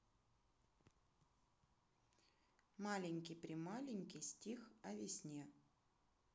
маленький при маленький стих о весне